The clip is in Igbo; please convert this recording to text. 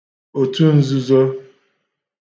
òtunzuzo